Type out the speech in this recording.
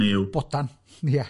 Bodan, ie.